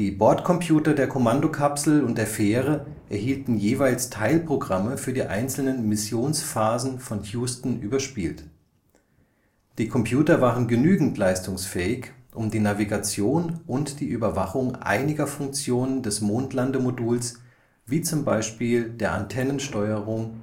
Bordcomputer der Kommandokapsel und der Fähre erhielten jeweils Teilprogramme für die einzelnen Missionsphasen von Houston überspielt. Die Computer waren genügend leistungsfähig, um die Navigation und die Überwachung einiger Funktionen des Mondlandemoduls, wie zum Beispiel der Antennensteuerung